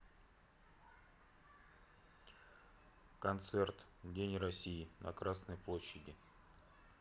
концерт день россии на красной площади